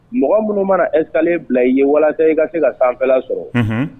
Mɔgɔ minnu mana e sale bila i ye walasa i ka se ka sanfɛla sɔrɔ